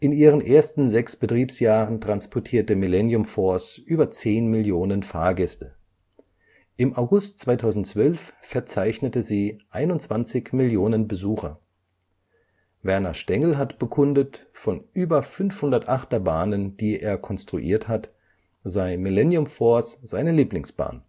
ihren ersten sechs Betriebsjahren transportierte Millennium Force über zehn Millionen Fahrgäste. Im August 2012 verzeichnete sie 21 Millionen Besucher. Werner Stengel hat bekundet, von über 500 Achterbahnen, die er konstruiert hat, sei Millennium Force seine Lieblingsbahn